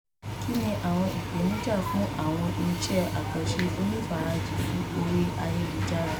Kínni àwọn ìpènijà fún àwọn iṣẹ́-àkànṣe onífarajìnfún orí ayélujára?